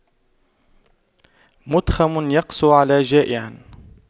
مُتْخَمٌ يقسو على جائع